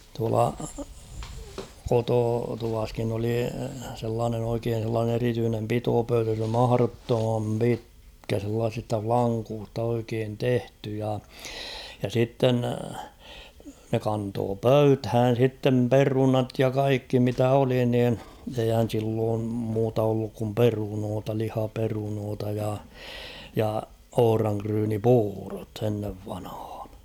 tuolla kototuvassakin oli sellainen oikein sellainen erityinen pitopöytä se oli mahdottoman pitkä sellaisista lankusta oikein tehty ja ja sitten ne kantoi pöytään sitten perunat ja kaikki mitä oli niin eihän silloin muuta ollut kuin perunoita lihaperunoita ja ja ohranryynipuurot ennen vanhaan